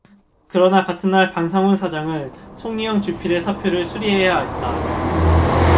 그러나 같은 날 방상훈 사장은 송희영 주필의 사표를 수리해야 했다